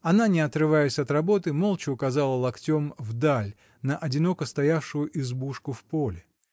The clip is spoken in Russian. Она, не отрываясь от работы, молча указала локтем вдаль, на одиноко стоявшую избушку в поле.